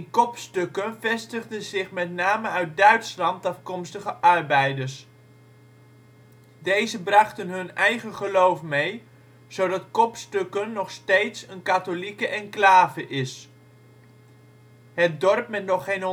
Kopstukken vestigden zich met name uit Duitsland afkomstige arbeiders. Deze brachten hun eigen geloof mee, zodat Kopstukken nog steeds een katholieke enclave is. Het dorp met nog geen